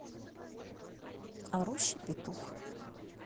орущий петух